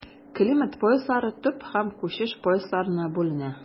Климат пояслары төп һәм күчеш поясларына бүленә.